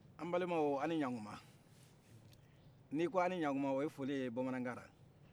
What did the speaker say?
a ni ɲakuma ni ko ani ɲakuma o ye foli ye bamanakan na